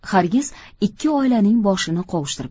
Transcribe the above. hargiz ikki oilaning boshini qovushtirib